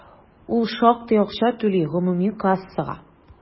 Ул шактый акча түли гомуми кассага.